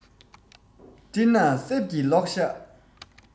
སྤྲིན ནག གསེབ ཀྱི གློག ཞགས